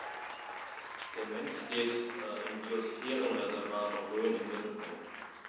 Der Mensch steht im Biosphärenreservat Rhön im Mittelpunkt.